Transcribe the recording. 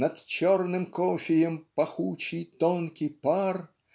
Над черным кофеем пахучий гонкий пар.